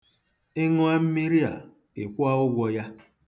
Ị ṅụọ mmiri a, ị kwụọ ụgwọ ya.